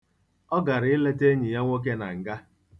Ọ gara ileta enyi ya nwoke nọ na nga.